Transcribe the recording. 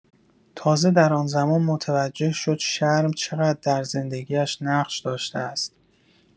تازه در آن‌زمان متوجه شد شرم چقدر در زندگی‌اش نقش داشته است.